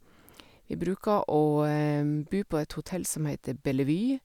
Vi bruker å bo på et hotell som heter BelleVue.